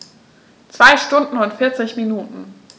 2 Stunden und 40 Minuten